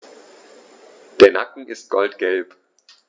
Der Nacken ist goldgelb.